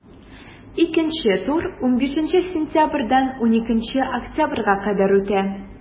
Икенче тур 15 сентябрьдән 12 октябрьгә кадәр үтә.